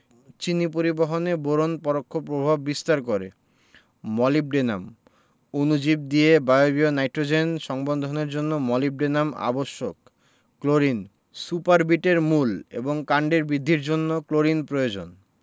চিনি পরিবহনে বোরন পরোক্ষ প্রভাব বিস্তার করে মোলিবডেনাম অণুজীব দিয়ে বায়বীয় নাইট্রোজেন সংবন্ধনের জন্য মোলিবডেনাম আবশ্যক ক্লোরিন সুপারবিট এর মূল এবং কাণ্ডের বৃদ্ধির জন্য ক্লোরিন প্রয়োজন